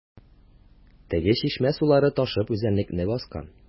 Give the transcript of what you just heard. Теге чишмә сулары ташып үзәнлекне баскан.